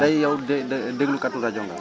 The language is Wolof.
tey yow de de déglukatu rajo nga